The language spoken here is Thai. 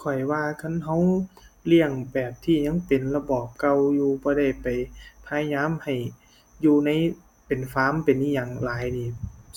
ข้อยว่าคันเราเลี้ยงแบบที่ยังเป็นระบอบเก่าอยู่ บ่ได้ไปพยายามให้ อยู่ใน เป็นฟาร์ม เป็นอิหยังหลายนี้